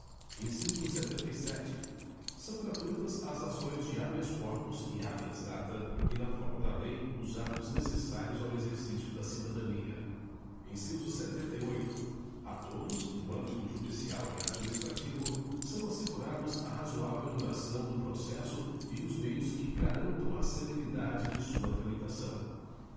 inciso setenta e sete são gratuitas as ações de habeas corpus e habeas data e na forma da lei os atos necessários ao exercício da cidadania inciso setenta e oito a todos no âmbito judicial e administrativo são assegurados a razoável duração do processo e os meios que garantam a celeridade de sua tramitação